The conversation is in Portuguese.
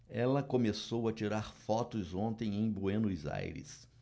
ela começou a tirar fotos ontem em buenos aires